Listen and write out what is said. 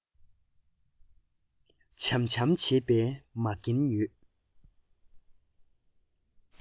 བྱམས བྱམས བྱེད པའི མ རྒན ཡོད